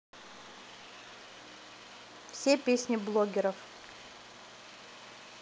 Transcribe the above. все песни блогеров